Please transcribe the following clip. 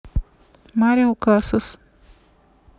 марио касас